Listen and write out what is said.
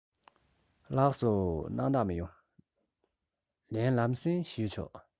ལགས སོ སྣང དག མི ཡོང ལམ སེང ལན ཞུས ཆོག